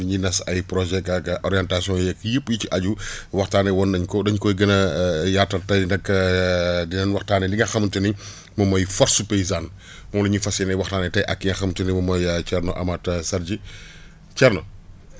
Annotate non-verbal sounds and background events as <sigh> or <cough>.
mi ngi nas ay projets gaag orientations yeeg yëpp yi ci aju <breath> waxtaanee woon nañu ko dañ koy gën a <hesitation> yaatal tey nag <hesitation> dinañ waxtaanee li nga xamante ni <breath> moommooy force paysane <breath> moom la ñuy fas yéene waxtaanee tey ak ki nga xamante ni moom mooy Thierno Amath Sadji <breath> Thierno